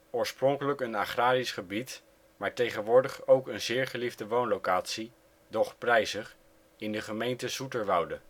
Oorspronkelijk een agrarisch gebied, maar tegenwoordig ook een zeer geliefde woonlocatie (doch prijzig) in de gemeente Zoeterwoude